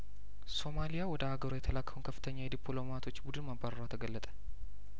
ሶማሊያወደ አገሯ የተላከውን ከፍተኛ የዲፕሎማቶች ቡድን ማባረሯ ተገለጠ